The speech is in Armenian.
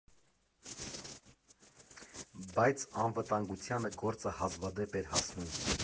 Բայց, անվտանգությանը գործը հազվադեպ էր հասնում։